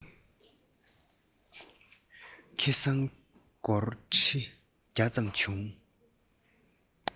ཁེ བཟང སྒོར ཁྲི བརྒྱ ཙམ བྱུང